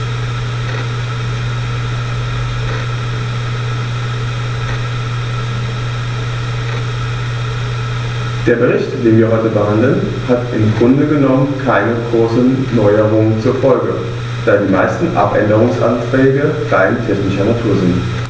Der Bericht, den wir heute behandeln, hat im Grunde genommen keine großen Erneuerungen zur Folge, da die meisten Abänderungsanträge rein technischer Natur sind.